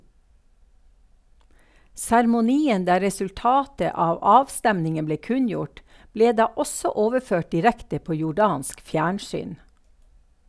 Seremonien der resultatet av avstemningen ble kunngjort, ble da også overført direkte på jordansk fjernsyn.